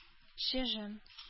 Чыжым